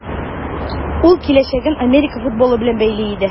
Ул киләчәген Америка футболы белән бәйли иде.